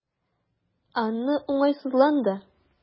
Анна уңайсызланды.